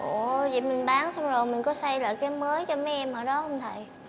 ùa dậy mừn báng xong mừn có xay lại cái mới cho mấy em ở đó hông thầy